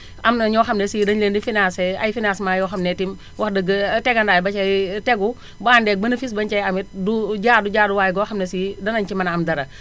am na ñoo xam ne si dañu leen di financé ay financements yoo xam ne tim wax dëgg tegandaay ba cay tegu bu àndee ak bénéfice ba ñu cay am it du jaadu jaaduwaay boo xam ne si dinañu ci mën a am dara